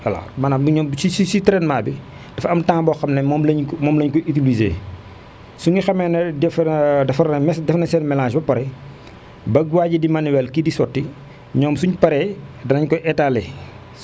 voilà maanaam ñoom si si traitement bi dafa am temps boo xam ne moom la ñu ko moom la ñu ko utilisé suñu xamee ne defar defar nañ seen mélange ba pare ba waay ji di manuel kii di sotti ñoom suñ paree danañ ko étaler